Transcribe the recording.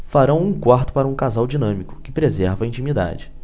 farão um quarto para um casal dinâmico que preserva a intimidade